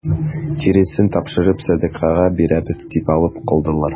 Тиресен тапшырып сәдакага бирәбез дип алып калдылар.